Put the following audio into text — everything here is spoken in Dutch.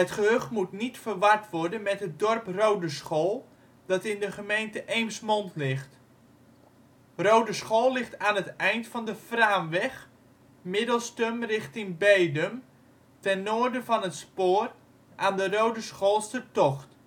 gehucht moet niet verward worden met het dorp Roodeschool dat in de gemeente Eemsmond ligt. Rodeschool ligt aan het eind van de Fraamweg, Middelstum richting Bedum, ten noorden van het spoor aan de Rodeschoolstertocht